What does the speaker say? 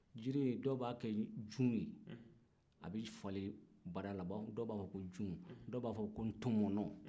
jiri in dɔw b'a kɛ jun a bɛ falen bada la dɔw b'a fɔ ko jun dɔw b'a fɔ ko ntɔmɔnɔn